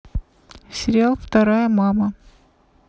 сериал вторая мама